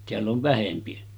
täällä on vähempi